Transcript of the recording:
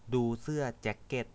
ดูเสื้อแจ็คเก็ต